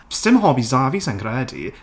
Sdim hobbies 'da fi, sa i'n credu.